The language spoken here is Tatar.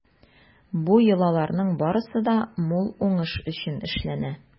Бу йолаларның барысы да мул уңыш өчен эшләнә.